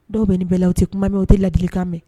Dɔw bɛ bɛlaw o tɛ kuma min o tɛ ladilikan mɛn